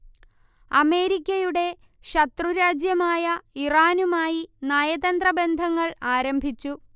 അമേരിക്കയുടെ ശത്രുരാജ്യമായ ഇറാനുമായി നയതന്ത്ര ബന്ധങ്ങൾ ആരംഭിച്ചു